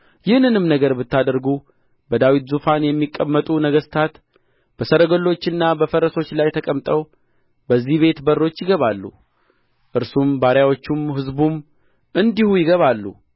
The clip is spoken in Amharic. ይህንንም ነገር ብታደርጉ በዳዊት ዙፋን የሚቀመጡ ነገሥታት በሰረገሎችና በፈረሶች ላይ ተቀምጠው በዚህ ቤት በሮች ይገባሉ እርሱም ባሪያዎቹም ሕዝቡም እንዲሁ ይገባሉ